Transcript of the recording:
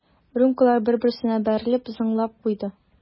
Рюмкалар бер-берсенә бәрелеп зыңлап куйды.